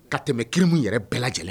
Ka tɛmɛ kirimu yɛrɛ bɛɛ lajɛlen